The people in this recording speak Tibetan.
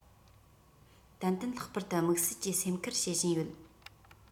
ཏན ཏན ལྷག པར དུ དམིགས བསལ གྱིས སེམས ཁུར བྱེད བཞིན ཡོད